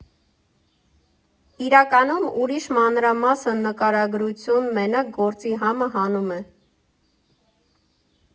Իրականում ուրիշ մանրամասն նկարագրություն մենակ գործի համը հանում է։